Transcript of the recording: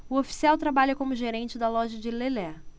o oficial trabalha como gerente da loja de lelé